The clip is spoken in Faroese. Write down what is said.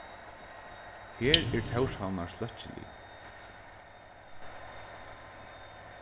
her er tórshavnar sløkkilið